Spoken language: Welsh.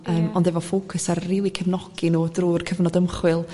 yym... ia... ond efo ffowcws ar rili cefnogi nw drw'r cyfnod ymchwil